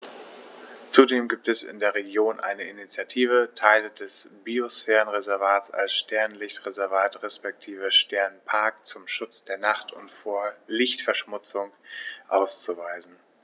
Zudem gibt es in der Region eine Initiative, Teile des Biosphärenreservats als Sternenlicht-Reservat respektive Sternenpark zum Schutz der Nacht und vor Lichtverschmutzung auszuweisen.